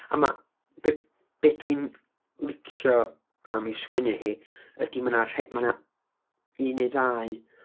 A ma', be', be' dwi'n licio am ei sgwennu hi ydy, ma' 'na rhe- ma' 'na un neu ddau...